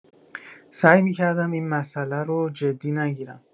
سعی می‌کردم این مسئله رو جدی نگیرم.